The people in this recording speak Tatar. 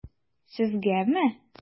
Сезгәме?